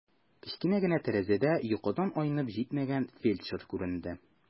Кечкенә генә тәрәзәдә йокыдан айнып җитмәгән фельдшер күренде.